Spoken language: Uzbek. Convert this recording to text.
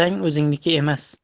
otang o'zingniki emas